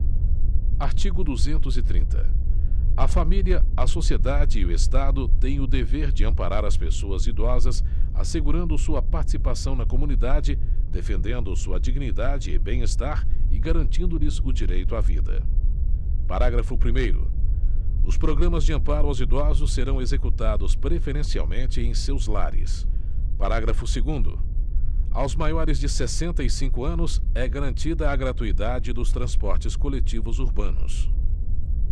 artigo duzentos e trinta a família a sociedade e o estado têm o dever de amparar as pessoas idosas assegurando sua participação na comunidade defendendo sua dignidade e bem estar e garantindo lhes o direito à vida parágrafo primeiro os programas de amparo aos idosos serão executados preferencialmente em seus lares parágrafo segundo aos maiores de sessenta e cinco anos é garantida a gratuidade dos transportes coletivos urbanos